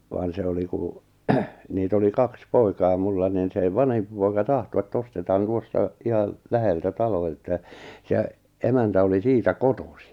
vaan se oli kun niitä oli kaksi poikaa minulla niin se vanhempi poika tahtoi että ostetaan tuosta ihan läheltä talo että se emäntä oli siitä kotoisin